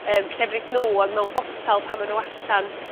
yym llefrith n'w on' mewn botal pan ma' n'w allan